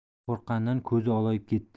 qo'rqqanidan ko'zi olayib ketdi